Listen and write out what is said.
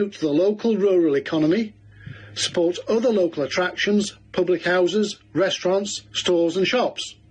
It would contribute to the local rural economy, support other local attractions, public houses, restaurants, stores and shops.